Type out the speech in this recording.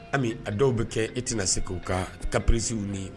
Ami a dɔw bɛ kɛ e tɛnaina se k' ka kapirisiw de ye